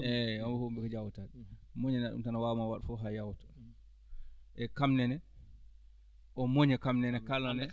eeyi o ko ɗum jawta muñanaa ɗum tan o waawmaa waɗ fof haa o yawta e kam nene o muña kam nene kalane